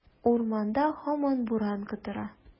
Урамда һаман буран котыра.